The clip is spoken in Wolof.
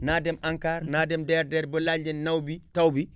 naa dem ANCAR naa dem DRDR ba laaj leen naw bi taw bi